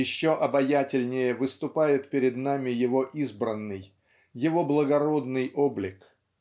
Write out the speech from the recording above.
Еще обаятельнее выступает перед нами его избранный его благородный облик.